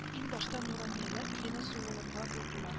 Ин башта нуранияләр өенә сугылырга булдылар